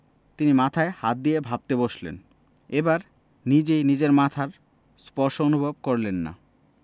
তিনি মাথায় হাত দিয়ে ভাবতে বসলেন এবার নিজেই নিজের মাথার স্পর্শ অনুভব করলেন না